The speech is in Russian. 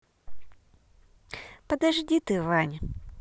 подожди ты вань